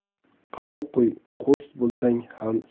qani quy qo'rs bo'lsang ham